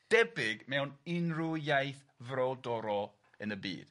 debyg mewn unryw iaith frodorol yn y byd.